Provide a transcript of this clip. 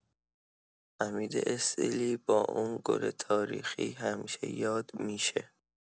حمید استیلی با اون گل تاریخی همیشه یاد می‌شه.